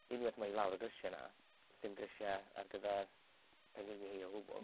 Unwaith ma' hi lawr y grisiau 'na, sdim grisiau ar gyfer pengliniau hi o gwbl.